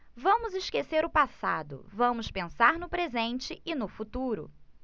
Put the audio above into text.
vamos esquecer o passado vamos pensar no presente e no futuro